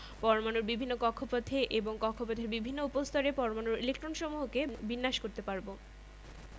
আসলে মৌলিক বল মাত্র চারটি সেগুলো হচ্ছে মহাকর্ষ বল তড়িৎ চৌম্বক বা বিদ্যুৎ চৌম্বকীয় বল দুর্বল নিউক্লিয় বল ও সবল নিউক্লিয় বল